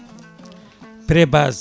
pré-base